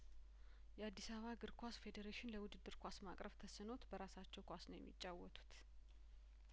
የአዲስአባ እግር ኳስ ፌዴሬሽን ለውድድር ኳስ ማቅረብ ተስኖት በራሳቸው ኳስ ነው የሚጫወቱት